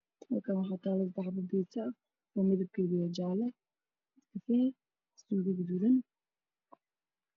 Halkaan waxaa taala saddex xabo geedto ah oo midakeedu yahay jaalle kafay iskoobo gaduudan.